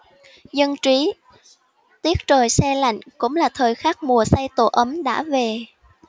dân trí tiết trời se lạnh cũng là thời khắc mùa xây tổ ấm đã về